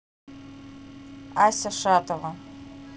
ася шатова